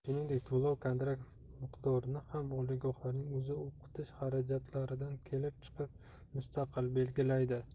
shuningdek to'lov kontrakt miqdorini ham oliygohlarning o'zi o'qitish xarajatlaridan kelib chiqib mustaqil belgilaydi